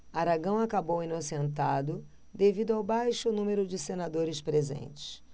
aragão acabou inocentado devido ao baixo número de senadores presentes